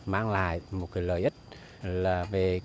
mang lại một cái lợi ích là về